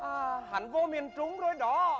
à hắn vô miền trung rồi đó